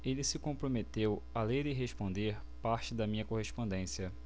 ele se comprometeu a ler e responder parte da minha correspondência